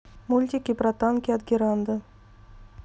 мультики про танки от геранда